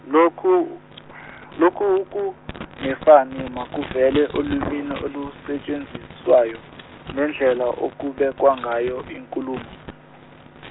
lokhu lokhu ukungefani makuvele olimini olusetshenziswayo nendlela okubekwa ngayo inkulumo.